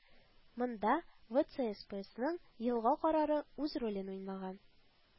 Монда ВЦСПСның елгы карары үз ролен уйнаган